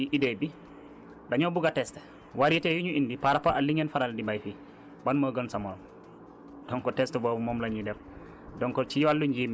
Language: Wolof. léegi lan moo ciy idée bi dañoo bugg a tester variétés yi ñu indi par rapport ak li ngeen faral di bay fii ban moo gën sa moroom donc test boobu moom la ñuy def